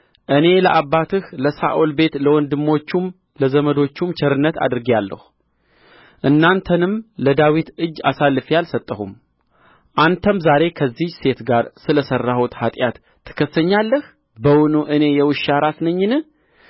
እኔ ለአባትህ ለሳኦል ቤት ለወንድሞቹም ለዘመዶቹም ቸርነት አድርጌአለሁ አንተንም ለዳዊት እጅ አሳልፌ አልሰጠሁም አንተም ዛሬ ከዚህች ሴት ጋር ስለ ሠራሁት ኃጢአት ትከስሰኛለህ በውኑ እኔ የውሻ ራስ ነኝን